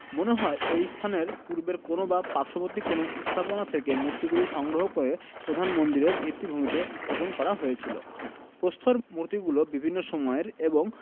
মনে হয় এ স্থানের পূর্বের কোন বা পার্শ্ববর্তী কোন স্থাপনা থেকে মূর্তিগুলি সংগ্রহ করে প্রধান মন্দিরের ভিত্তিভূমিতে স্থাপন করা হয়েছিল প্রস্তর মূর্তিগুলো বিভিন্ন সময়ের এবং